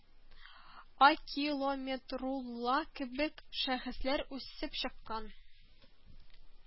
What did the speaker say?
Акилометрулла кебек шәхесләр үсеп чыккан